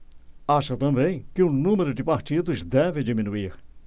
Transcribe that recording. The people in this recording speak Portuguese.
acha também que o número de partidos deve diminuir